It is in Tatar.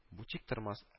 Бу тиктормас